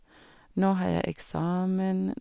Når har jeg eksamen?